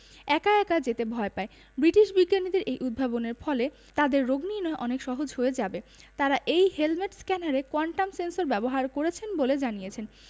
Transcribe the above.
একা একা যেতে ভয় পায় ব্রিটিশ বিজ্ঞানীদের এই উদ্ভাবনের ফলে তাদের রোগনির্নয় অনেক সহজ হয়ে যাবে তারা এই হেলমেট স্ক্যানারে কোয়ান্টাম সেন্সর ব্যবহার করেছেন বলে জানিয়েছেন